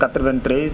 93